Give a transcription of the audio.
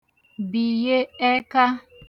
bìye ẹka